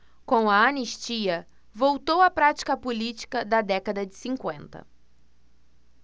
com a anistia voltou a prática política da década de cinquenta